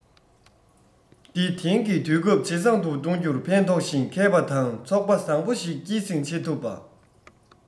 འདི དེང གི དུས སྐབས ཇེ བཟང དུ གཏོང རྒྱུར ཕན ཐོགས ཤིང མཁས པ དང ཚོགས པ བཟང བོ ཞིག སྐྱེད སྲིང བྱེད ཐུབ པ